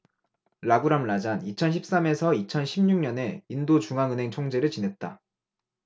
라구람 라잔 이천 십 삼 에서 이천 십 육 년에 인도 중앙은행 총재를 지냈다